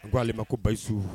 An ko ale ma ko: Bayisu